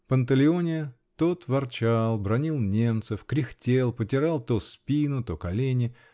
Панталеоне -- тот ворчал, бранил немцев, кряхтел, потирал то спину, то колени.